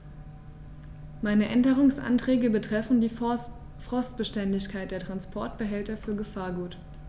Meine Änderungsanträge betreffen die Frostbeständigkeit der Transportbehälter für Gefahrgut.